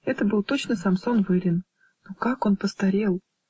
Это был точно Самсон Вырин; но как он постарел!